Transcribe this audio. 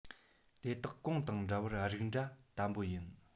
དེ དག གོང དང འདྲ བར རིགས འདྲ དམ པོ ཡིན